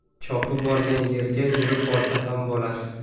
chopib borgan yerga yurib borsa ham bo'lar